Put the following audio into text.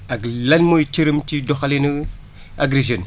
ak lan mooy cëram ci doxalinu Agri Jeunes